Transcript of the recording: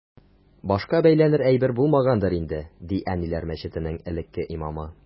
Башка бәйләнер әйбер булмагангадыр инде, ди “Әниләр” мәчетенең элекке имамы.